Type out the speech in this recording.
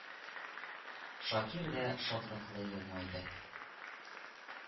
Шакир дә шатлыклы елмайды